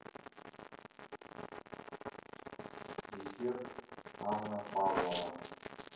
десерт анна павлова